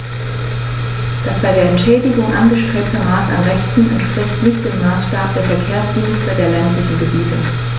Das bei der Entschädigung angestrebte Maß an Rechten entspricht nicht dem Maßstab der Verkehrsdienste der ländlichen Gebiete.